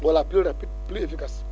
voilà plus rapide plus éfficace